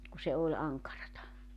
kun se oli ankaraa